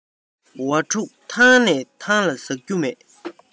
ཝ ཕྲུག ཐང ནས ཐང ལ ཟག རྒྱུ མེད